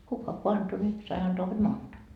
kuka kun antoi niin sai antaa hod monta